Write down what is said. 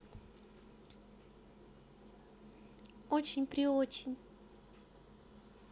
очень при очень